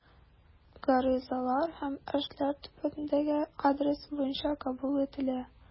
Гаризалар һәм эшләр түбәндәге адрес буенча кабул ителә.